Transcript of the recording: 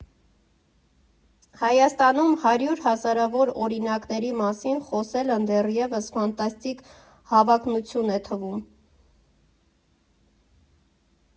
Հայաստանում հարյուր հազարավոր օրինակների մասին խոսելն դեռևս ֆանտաստիկ հավակնություն է թվում։